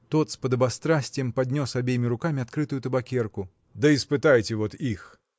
Тот с подобострастием поднес обеими руками открытую табакерку. – Да испытайте вот их!